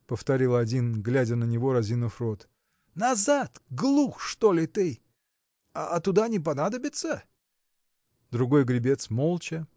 – повторил один, глядя на него разинув рот. – Назад! глух, что ли, ты? – А туда не понадобится? Другой гребец молча